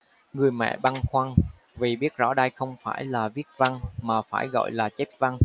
người mẹ băn khoăn vì biết rõ đây không phải là viết văn mà phải gọi là chép văn